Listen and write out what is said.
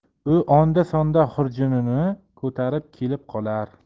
u onda sonda xurjunini ko'tarib kelib qolar